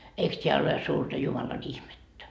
eikös tämä ole suurta Jumalan ihmettä